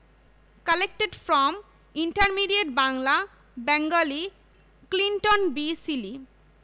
collected from intermediate Bangla Bengali Clinton be Seely